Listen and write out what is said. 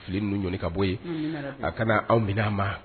Fililen ninnu ɲɔgɔnni ka bɔ ye a kana anwminaan ma